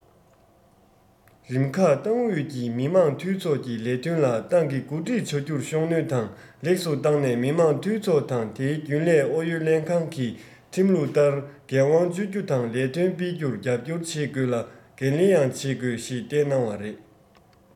རིམ ཁག ཏང ཨུད ཀྱིས མི དམངས འཐུས ཚོགས ཀྱི ལས དོན ལ ཏང གིས འགོ ཁྲིད བྱ རྒྱུར ཤུགས སྣོན དང ལེགས སུ བཏང ནས མི དམངས འཐུས ཚོགས དང དེའི རྒྱུན ལས ཨུ ཡོན ལྷན ཁང གིས ཁྲིམས ལུགས ལྟར འགན དབང སྤྱོད རྒྱུ དང ལས དོན སྤེལ རྒྱུར རྒྱབ སྐྱོར བྱེད དགོས ལ འགན ལེན ཡང བྱེད དགོས ཞེས བསྟན གནང བ རེད